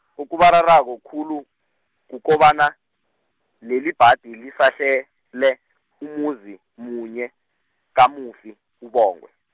okubararako khulu, kukobana, lelibhadi lisahlele , umuzi, munye, kamufi uBongwe.